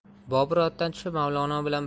bobur otdan tushib mavlono